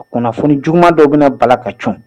Kunnafoni juma dɔw bɛna bala ka c